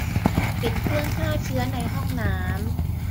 ปิดเครื่องฆ่าเชื้อในห้องน้ำ